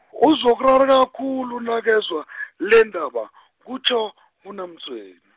uzokurareka khulu nakezwa , lendaba , kutjho , UNaMtshweni.